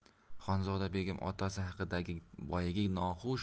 xonzoda begim otasi haqidagi boyagi noxush